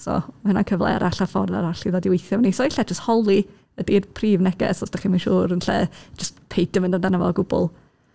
So ma' 'na cyfle arall a ffordd arall i ddod i weithio efo ni. So ella jyst holi ydy'r prif neges os dach chi'm yn siŵr, yn lle jyst peidio mynd amdano fo o gwbl.